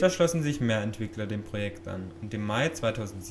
schlossen sich mehr Entwickler dem Projekt an, und im Mai 2007